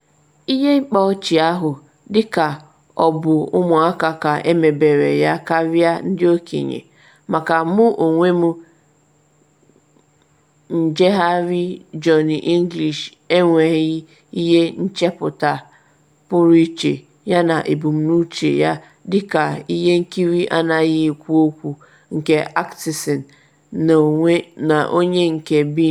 Ihe ịkpa ọchị ahụ dịka ọ bụ ụmụaka ka emebere ya karịa ndị okenye, maka mụ onwe m njegheri Johnny English enweghị ihe nchepụta pụrụ iche yana ebumnuche ya dịka ihe nkiri anaghị ekwu okwu nke Atkinson, n’onye nke Bean.